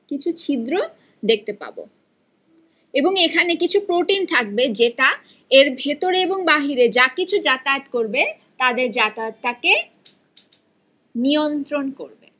কিছু ছিদ্র দেখতে পাবো এবং এখানে কিছু প্রোটিন থাকবে যেটা এর ভিতরে এবং বাহিরে যা কিছু যাতায়াত করবে তাদের যাতায়াত টাকে নিয়ন্ত্রণ করবে